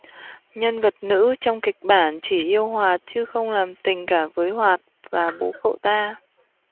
nhân vật nữ trong kịch bản chỉ yêu hoạt chứ không làm tình cả với hoạt và bố cậu ta